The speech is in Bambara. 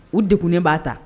U degunen b'a ta.